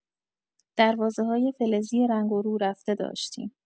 دروازه‌های فلزی رنگ و رو رفته داشتیم.